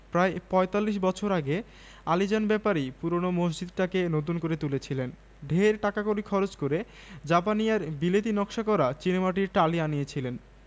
দায়িত্ব ও কর্তব্য পালন করতে চাই সেজন্য সংশ্লিষ্ট সকল মহলের শুভেচ্ছা ও সহযোগিতা কামনা করি ধন্যবাদ সকলকে ধন্যবাদ সেরাজুল হক সাধারণ সম্পাদক